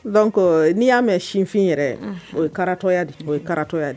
Dɔn ko n'i y'a mɛn sinfin yɛrɛ o yetɔya di o ye karatɔya de